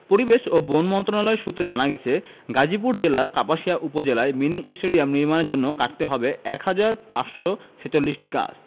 পরিবেশ ও বন মন্ত্রণালয় সূত্রে জানা গেছে গাজীপুর জেলার কাপাসিয়া উপজেলায় মিনি স্টেডিয়াম নির্মাণের জন্য কাটতে হবে এক হাজার ৫৪৬টি গাছ